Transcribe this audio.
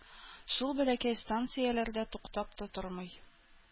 Шул бәләкәй станцияләрдә туктап та тормый.